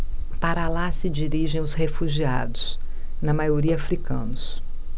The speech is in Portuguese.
para lá se dirigem os refugiados na maioria hútus